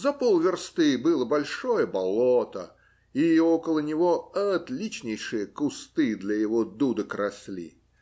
За полверсты было большое болото, и около него отличнейшие кусты для его дудок росли.